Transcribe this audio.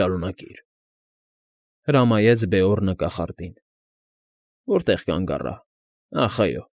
Շարունակի՛ր,֊ հրամայեց Բեորնը կախարդին։ ֊ Որտե՞ղ կանգ առա… Ա՜խ, այո։